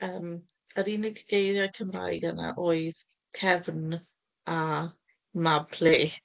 yym, yr unig geiriau Cymraeg yna oedd "Cefn" a "Mabli".